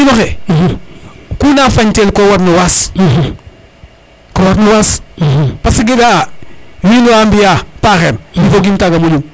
ga o kino xe ku na fañ tel ko warno waasko warn waas parce que ga a wiin wa na mbiya paxeer mi fogim taga moƴun